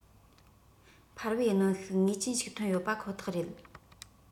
འཕར བའི གནོན ཤུགས ངེས ཅན ཞིག ཐོན ཡོད པ ཁོ ཐག རེད